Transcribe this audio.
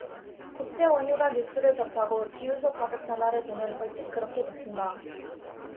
국제 원유가 뉴스를 접하고 주유소 가격 변화를 보면 얼핏 그렇게 비친다